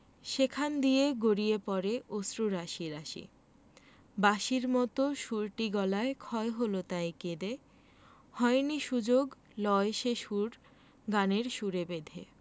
সেখান দিয়ে গড়িয়ে পড়ে অশ্রু রাশি রাশি বাঁশির মতো সুরটি গলায় ক্ষয় হল তাই কেঁদে হয়নি সুযোগ লয় সেসুর গানের সুরে বেঁধে